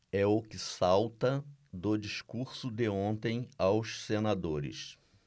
é o que salta do discurso de ontem aos senadores